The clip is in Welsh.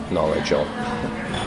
knowledge o.